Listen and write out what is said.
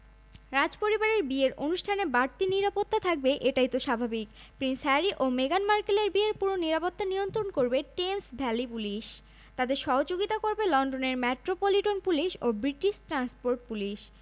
মেগান Markle Ralph and Russo ব্র্যান্ডের কোনো পোশাক পরতে পারেন ধবধবে সাদা গাউনে না সেজে মেগানের অন্য কোন রঙের গাউন পরার সম্ভাবনাই বেশি